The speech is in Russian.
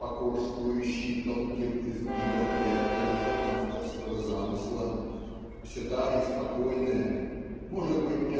покорствующий тонким изгибам и оттенкам авторского замысла. Все та же спокойная может быть